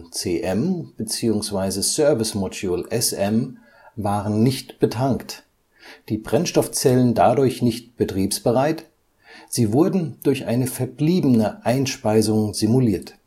CM/SM waren nicht betankt, die Brennstoffzellen dadurch nicht betriebsbereit, sie wurden durch eine verbliebene Einspeisung simuliert